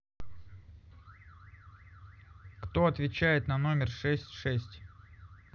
кто отвечает на номер шесть шесть